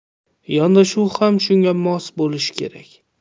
yondashuv ham shunga mos bo'lishi kerak